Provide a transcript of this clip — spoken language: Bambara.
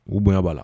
U bonya b'a la